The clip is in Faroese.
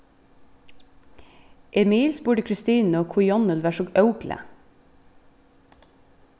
emil spurdi kristinu hví jonhild var so óglað